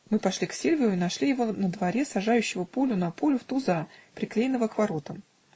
Мы пошли к Сильвио и нашли его на дворе, сажающего пулю на пулю в туза, приклеенного к воротам.